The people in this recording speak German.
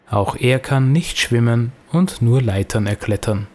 Auch er kann nicht schwimmen und nur Leitern erklettern